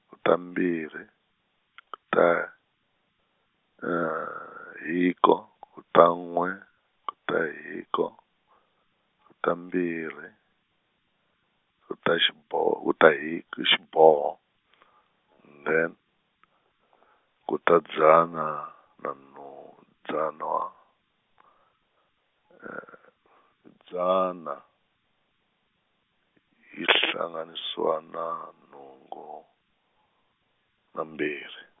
ku ta mbirhi , ku ta, hiko ku ta n'we, ku ta hiko, ku ta mbirhi, ku ta xiboho ku ta hik-, i xiboho and then, ku ta dzana na nhu- dzana dzana, yi hlanganisiwa na nhungu, na mbirhi.